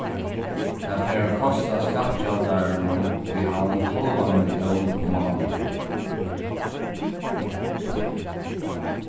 tað fer at kosta skattgjaldarunum í havn hálva millión um mánaðin